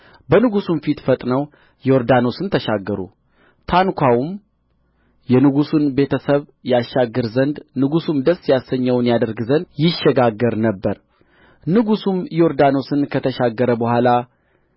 በንጉሡም ፊት ፈጥነው ዮርዳኖስን ተሻገሩ ታንኳውም የንጉሥን ቤተ ሰብ ያሻግር ዘንድ ንጉሡም ደስ ያሰኘውን ያደርግ ዘንድ ይሸጋገር ነበር ንጉሡም ዮርዳኖስን ከተሻገረ በኋላ